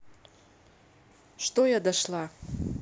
что я дошла